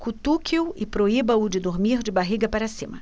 cutuque-o e proíba-o de dormir de barriga para cima